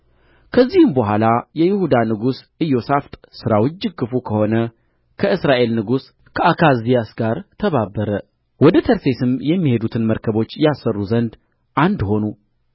ከዚህም በኋላ የይሁዳ ንጉሥ ኢዮሣፍጥ ሥራው እጅግ ክፉ ከሆነ ከእስራኤል ንጉሥ ከአካዝያስ ጋር ተባበረ ወደ ተርሴስም የሚሄዱትን መርከቦች ያሠሩ ዘንድ አንድ ሆኑ